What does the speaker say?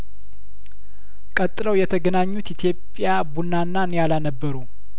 ቀጥለው የተገናኙት ኢትዮጵያቡናና ኒያላ ነበሩ